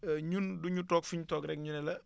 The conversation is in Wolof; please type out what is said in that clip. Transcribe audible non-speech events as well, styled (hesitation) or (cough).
(hesitation) ñun du ñu toog fi ñu toog rek ñu le la